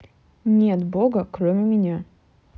нет бога кроме меня